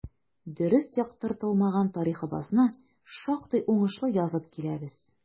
Дөрес яктыртылмаган тарихыбызны шактый уңышлы язып киләбез.